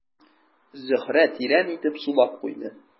Зөһрә тирән итеп сулап куйды.